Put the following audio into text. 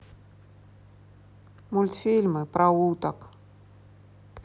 мультфильмы про уток